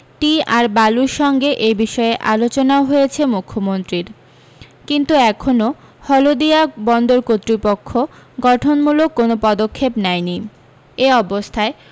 টি আর বালুর সঙ্গে এবিষয়ে আলোচনাও হয়েছে মুখ্যমন্ত্রীর কিন্তু এখনও হলদিয়া বন্দর কর্তৃপক্ষ গঠন মূলক কোনও পদক্ষেপ নেয়নি এ অবস্থায়